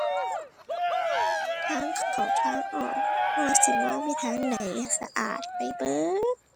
ทางเข้า ทางออก บ่ว่าสิมองไปทางไหน สะอาดไปเบิด